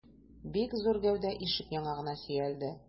Бик зур гәүдә ишек яңагына сөялде.